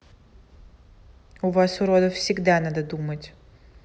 у вас уродов всегда надо думать